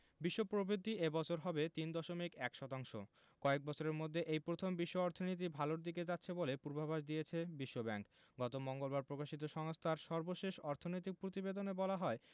বিশ্ব প্রবৃদ্ধি এ বছর হবে ৩.১ শতাংশ কয়েক বছরের মধ্যে এই প্রথম বিশ্ব অর্থনীতি ভালোর দিকে যাচ্ছে বলে পূর্বাভাস দিয়েছে বিশ্বব্যাংক গত মঙ্গলবার প্রকাশিত সংস্থার সর্বশেষ অর্থনৈতিক প্রতিবেদনে বলা হয়